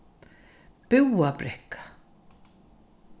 búðabrekka